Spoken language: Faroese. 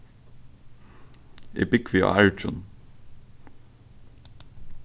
eg búgvi á argjum